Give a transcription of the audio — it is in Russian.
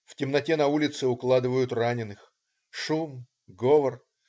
В темноте на улице укладывают раненых. Шум. Говор.